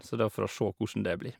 Så da får oss sjå kossen det blir.